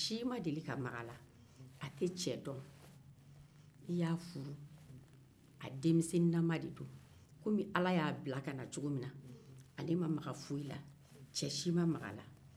i y'a denmisɛnninnama de furu a bɛ komi ala y'a bila ka na cogo min na ale ma maga foyi la ce si ma maga a la